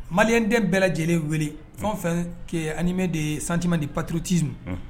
Maliyɛnden bɛɛ lajɛlen wele fɛn o fɛn qui est animé de patriotisme